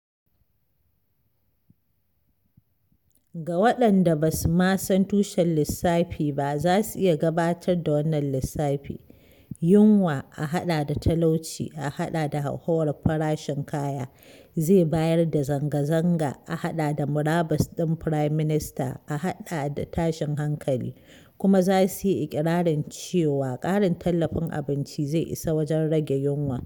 Ga waɗanda ba su ma san tushen lissafi ba za su iya gabatar da wannan lissafi: yunwa + talauci + hauhawar farashin kaya = zanga-zanga + murabus ɗin Firayim Minista + tashin hankali, kuma za su yi iƙirarin cewa ƙarin tallafin abinci zai isa wajen rage yunwa.